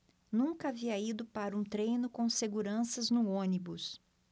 nunca havia ido para um treino com seguranças no ônibus